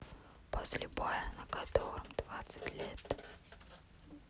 после боя на котором двадцать лет